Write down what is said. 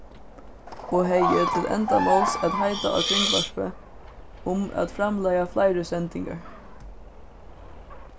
og hevði til endamáls at heita á kringvarpið um at framleiða fleiri sendingar